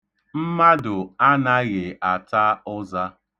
Mmadụ anaghị ata ụza.